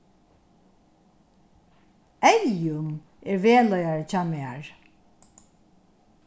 eyðun er vegleiðari hjá mær